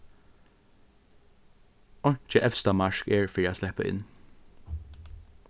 einki evstamark er fyri at sleppa inn